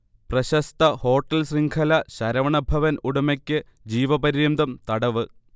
പ്രശസ്ത ഹോട്ടൽ ശൃംഖല ശരവണഭവൻ ഉടമയ്ക്ക് ജീവപര്യന്തം തടവ്